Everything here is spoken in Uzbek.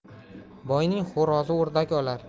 boyning xo'rozi o'rdak olar